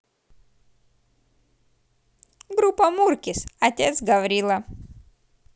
группа муркис отец гаврила